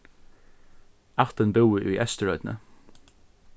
ættin búði í eysturoynni